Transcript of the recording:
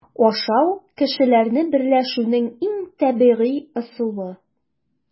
Ашау - кешеләрне берләшүнең иң табигый ысулы.